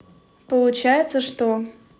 получается что